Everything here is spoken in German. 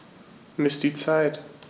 Miss die Zeit.